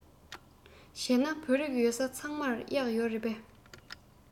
བྱས ན བོད རིགས ཡོད ས ཚང མར གཡག ཡོད རེད པས